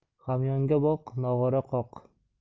hamyonga boq nog'ora qoq